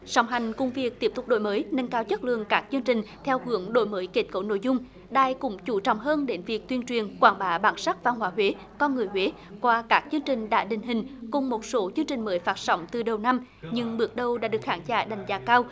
song hành cùng việc tiếp tục đổi mới nâng cao chất lượng các chương trình theo hướng đổi mới kết cấu nội dung đài cũng chú trọng hơn đến việc tuyên truyền quảng bá bản sắc văn hóa huế con người huế qua các chương trình đã định hình cùng một số chương trình mới phát sóng từ đầu năm nhưng bước đầu đã được khán giả đánh giá cao